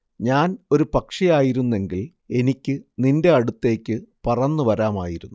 ഞാൻ ഒരു പക്ഷിയായിരുന്നെങ്കിൽ എനിക്ക് നിന്റെ അടുത്തേക്ക് പറന്നു വരാമായിരുന്നു